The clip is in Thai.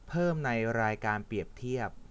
เพิ่มในรายการเปรียบเทียบ